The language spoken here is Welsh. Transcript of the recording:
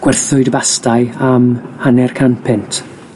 Gwerthwyd y bastai am hanner can punt,